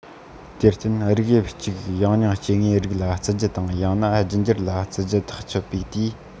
དེར བརྟེན རིགས དབྱིབས གཅིག ཡང སྙིང སྐྱེ དངོས རིགས ལ བརྩི རྒྱུ དང ཡང ན རྒྱུད འགྱུར ལ བརྩི རྒྱུ ཐག གཅོད པའི དུས